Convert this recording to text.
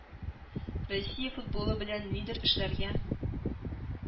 Россия футболы белән нидер эшләргә,